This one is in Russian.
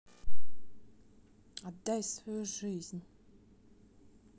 отдай свою жизнь